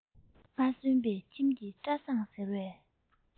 མ སོན པའི ཁྱིམ གྱི བཀྲ བཟང ཟེར བའི